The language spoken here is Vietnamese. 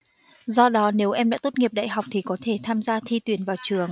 do đó nếu em đã tốt nghiệp đại học thì có thể tham gia thi tuyển vào trường